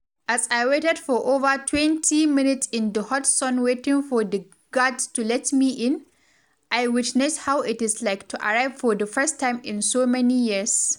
As I waited for over 20 minutes in the hot sun waiting for the guards to let me in, I witnessed how it is like to arrive for the first time in so many years.